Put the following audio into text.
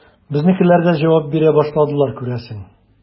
Безнекеләр дә җавап бирә башладылар, күрәсең.